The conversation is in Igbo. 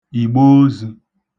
ìgboozū